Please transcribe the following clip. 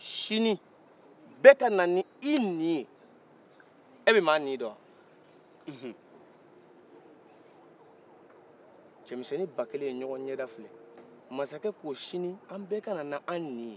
sini bɛɛ ka na ni i ni ye e bɛ maa ni dɔ unhun cɛmisɛnnin ba kelen ye ɲɔgɔn ɲɛda filɛ masakɛ ko sini an bɛ ka na n'an ni ye